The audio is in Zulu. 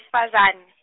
esfazane.